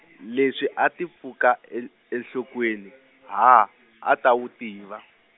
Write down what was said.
leswi a ti pfuka en- enhlokweni, ha a a ta wu tiva.